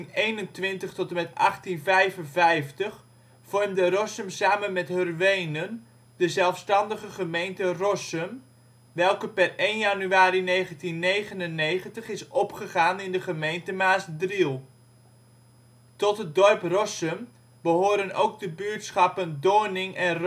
1821 tot en met 1955 vormde Rossum samen met Hurwenen de zelfstandige gemeente Rossum, welke per 1 januari 1999 is opgegaan in de gemeente Maasdriel Tot het dorp Rossum behoren ook de buurtschappen Doorning en